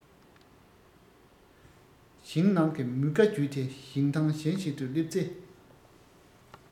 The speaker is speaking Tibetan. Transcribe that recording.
ཞིང ནང གི མུ ཁ བརྒྱུད དེ ཞིང ཐང གཞན ཞིག ཏུ སླེབས ཚེ